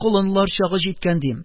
Колыннар чагы киткән, - дим,